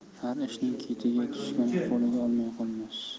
har ishning ketiga tushgan qo'liga olmay qolmas